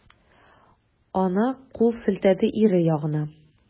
Ана кул селтәде ире ягына.